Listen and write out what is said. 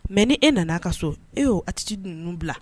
Mɛ ni e nana'a ka so e a titi ninnu bila